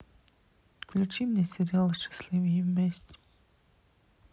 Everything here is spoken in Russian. включи мне сериал счастливы вместе